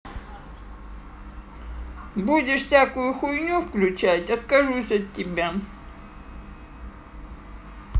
будешь всякую хуйню включать откажусь от тебя